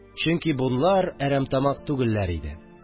Чөнки бунлар әрәмтамак түгелләр иде